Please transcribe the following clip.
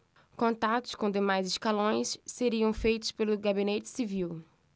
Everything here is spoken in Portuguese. contatos com demais escalões seriam feitos pelo gabinete civil